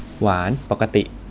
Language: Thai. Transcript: หวานปกติ